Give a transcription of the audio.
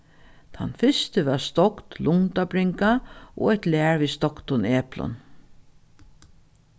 tann fyrsti var stokt lundabringa og eitt lær við stoktum eplum